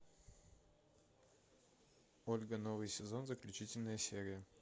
ольга новый сезон заключительная серия